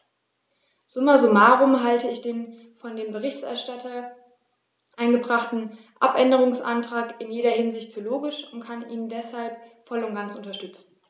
Summa summarum halte ich den von dem Berichterstatter eingebrachten Abänderungsantrag in jeder Hinsicht für logisch und kann ihn deshalb voll und ganz unterstützen.